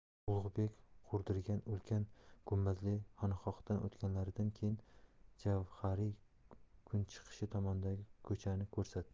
ulug'bek qurdirgan ulkan gumbazli xonaqodan o'tganlaridan keyin javhariy kunchiqish tomondagi ko'chani ko'rsatdi